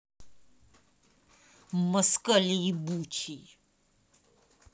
москаль ебучий